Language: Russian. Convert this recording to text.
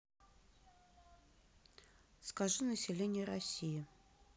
скажи население россии